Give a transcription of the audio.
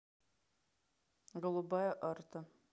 голубая арта